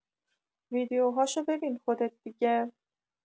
ویدئو هاشو ببین خودت دیگه